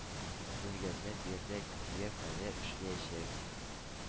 Күргәзмә биредә көзгә кадәр эшләячәк